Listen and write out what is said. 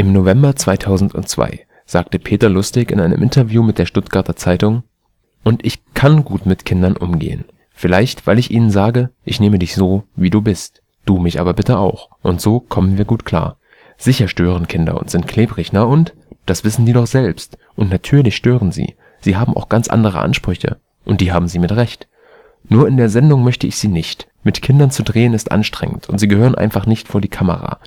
November 2002 sagte Peter Lustig in einem Interview mit der Stuttgarter Zeitung: „ Und ich kann gut mit Kindern umgehen. Vielleicht weil ich ihnen sage: Ich nehme dich so wie du bist, du mich aber bitte auch, und so kommen wir gut klar. Sicher, Kinder stören und sind klebrig, na und? Das wissen die doch selbst. Und natürlich stören sie, sie haben aber auch ganz andere Ansprüche und die haben sie mit Recht. (…) Nur in der Sendung möchte ich sie nicht, mit Kindern zu drehen ist anstrengend und sie gehören einfach nicht vor die Kamera